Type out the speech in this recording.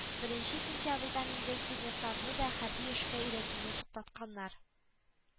Беренче сентябрьдән инде студентларны да хәрби эшкә өйрәтүне туктатканнар